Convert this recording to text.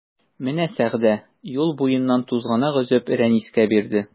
Менә Сәгъдә юл буеннан тузганак өзеп Рәнискә бирде.